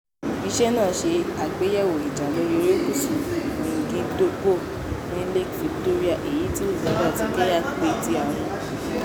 Iṣẹ́ náà ṣe àgbéyẹ̀wò ìjà lórí erékùṣù Migingo ní Lake Victoria, èyí tí Uganda àti Kenya pé ti àwọn ni.